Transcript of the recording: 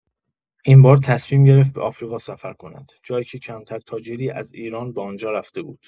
این بار تصمیم گرفت به آفریقا سفر کند، جایی که کمتر تاجری از ایران به آن‌جا رفته بود.